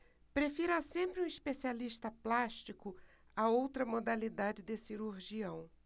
prefira sempre um especialista plástico a outra modalidade de cirurgião